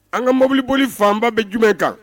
An ka mobiliboli fanba bɛ jumɛn kan